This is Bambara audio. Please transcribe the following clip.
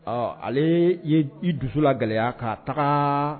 Ɔ ale i dusu la gɛlɛyaya ka taga